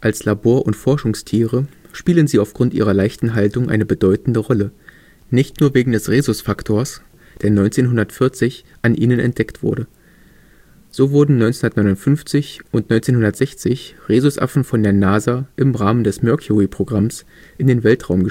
Als Labor - und Forschungstiere spielen sie aufgrund ihrer leichten Haltung eine bedeutende Rolle, nicht nur wegen des Rhesusfaktors, der 1940 an ihnen entdeckt wurde. So wurden 1959 und 1960 Rhesusaffen von der NASA im Rahmen des Mercury-Programms in den Weltraum geschickt